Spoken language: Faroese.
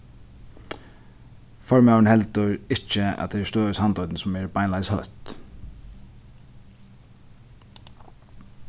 formaðurin heldur ikki at tað eru støð í sandoynni sum eru beinleiðis hótt